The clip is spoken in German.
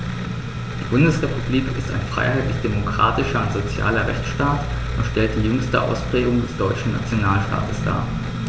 Die Bundesrepublik ist ein freiheitlich-demokratischer und sozialer Rechtsstaat[9] und stellt die jüngste Ausprägung des deutschen Nationalstaates dar.